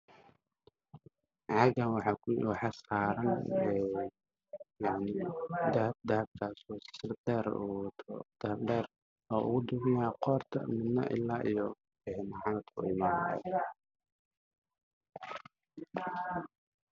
Waa bambal midabkiisu yahay caddaan waxaa ku jiro kartiin yar oo dahab ah